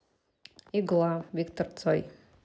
игла виктор цой